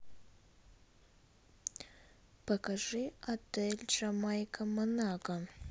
покажи отель джамайка монако